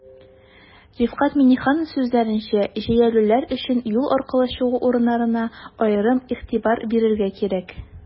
Рифкать Миңнеханов сүзләренчә, җәяүлеләр өчен юл аркылы чыгу урыннарына аерым игътибар бирергә кирәк.